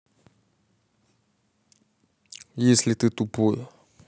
если ты тупой